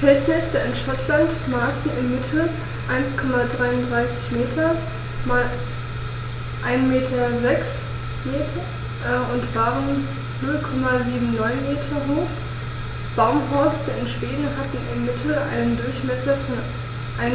Felsnester in Schottland maßen im Mittel 1,33 m x 1,06 m und waren 0,79 m hoch, Baumhorste in Schweden hatten im Mittel einen Durchmesser von 1,4